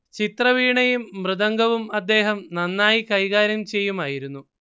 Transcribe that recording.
ചിത്രവീണയും മൃദംഗവും അദ്ദേഹം നന്നായി കൈകാര്യം ചെയ്യുമായിരുന്നു